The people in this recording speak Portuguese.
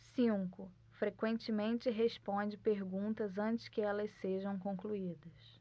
cinco frequentemente responde perguntas antes que elas sejam concluídas